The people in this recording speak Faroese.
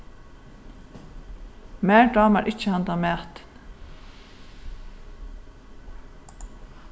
mær dámar ikki handan matin